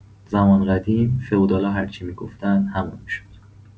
زمان قدیم، فئودالا هر چی می‌گفتن همون می‌شد!